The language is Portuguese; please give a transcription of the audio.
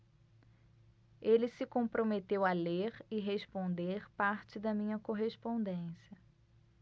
ele se comprometeu a ler e responder parte da minha correspondência